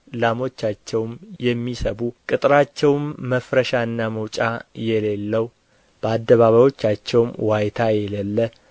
ላሞቻቸውም የሚሰቡ ቅጥራቸውም መፍረሻና መውጫ የሌለው በአደባባዮቻቸውም ዋይታ የሌለ